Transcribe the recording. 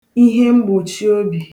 ihemgbòchiobì